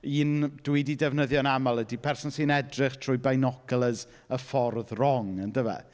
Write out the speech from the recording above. Un dwi 'di defnyddio'n aml ydy person sy'n edrych trwy binoculars y ffordd wrong ondife.